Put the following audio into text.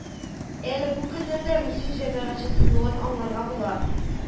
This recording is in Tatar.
Әле бу көннәрдә Русия җәмәгатьчеятсынуын аңларга була